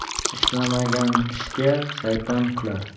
ishlanmagan ishga shayton kular